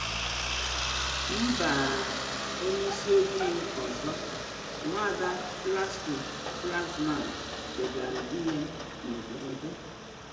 “MBAAAAAAAAAA ONYE ISI OJII ỌZỌ,” Nwada Plasco-Flaxman degara di ya n’ederede.